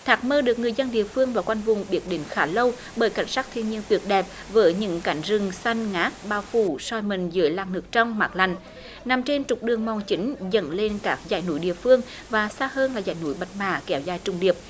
thác mơ được người dân địa phương và quanh vùng biết đến khá lâu bởi cảnh sắc thiên nhiên tuyệt đẹp với những cánh rừng xanh ngát bao phủ soi mình dưới làn nước trong mát lành nằm trên trục đường mòn chỉnh dẫn lên các dãy núi địa phương và xa hơn là dãy núi bạch mã kéo dài trùng điệp